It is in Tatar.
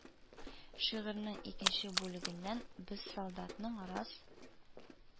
Шигырьнең икенче бүлегеннән без солдатның раз